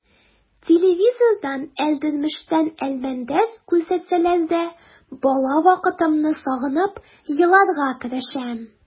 Телевизордан «Әлдермештән Әлмәндәр» күрсәтсәләр дә бала вакытымны сагынып еларга керешәм.